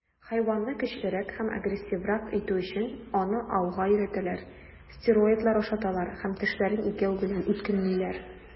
Хайванны көчлерәк һәм агрессиврак итү өчен, аны ауга өйрәтәләр, стероидлар ашаталар һәм тешләрен игәү белән үткенлиләр.